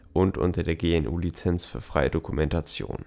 und unter der GNU Lizenz für freie Dokumentation